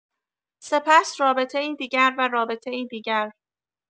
سپس رابطه‌ای دیگر و رابطه‌ای دیگر